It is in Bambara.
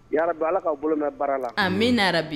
Yarabi Ala ka bolo mɛn aw ka baara la. Amina yara bi.